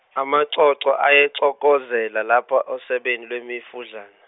amaxoxo ayaxokozela lapha osebeni lwemifudlana.